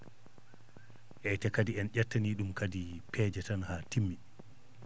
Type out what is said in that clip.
eeyi te kadi en ƴettanii ɗum kadi peeje tan haa timmi